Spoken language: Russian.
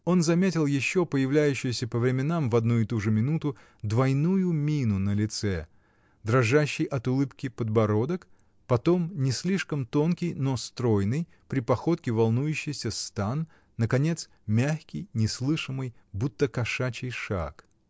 Он заметил еще появляющуюся по временам в одну и ту же минуту двойную мину на лице, дрожащий от улыбки подбородок, потом не слишком тонкий, но стройный, при походке волнующийся стан, наконец, мягкий, неслышимый, будто кошачий, шаг.